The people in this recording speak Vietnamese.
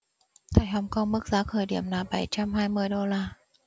tại hồng kông mức giá khởi điểm là bảy trăm hai mươi đô la